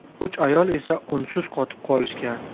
uch ayol esa unsiz qotib qolishgan